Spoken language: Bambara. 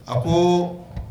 A ko